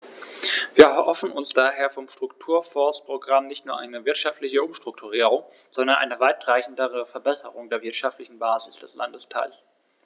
Wir erhoffen uns daher vom Strukturfondsprogramm nicht nur eine wirtschaftliche Umstrukturierung, sondern eine weitreichendere Verbesserung der wirtschaftlichen Basis des Landesteils.